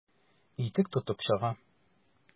Итек тотып чыга.